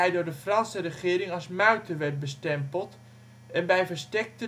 de Franse regering als muiter werd bestempeld en bij verstek